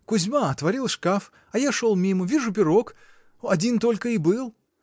Кузьма отворил шкаф, а я шел мимо — вижу пирог, один только и был.